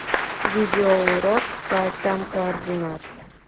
видеоурок по осям координат